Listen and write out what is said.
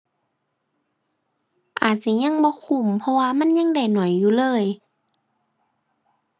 อาจสิยังบ่คุ้ม เพราะว่ามันยังได้น้อยอยู่เลย